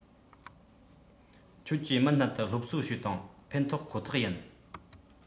ཁྱོད ཀྱིས མུ མཐུད དུ སློབ གསོ བྱོས དང ཕན ཐོགས ཁོ ཐག ཡིན